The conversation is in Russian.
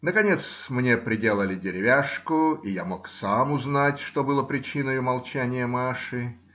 Наконец мне приделали деревяшку, и я мог сам узнать, что было причиною молчания Маши.